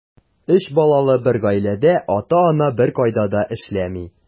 Өч балалы бер гаиләдә ата-ана беркайда да эшләми.